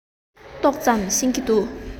ཏོག ཙམ ཤེས ཀྱི འདུག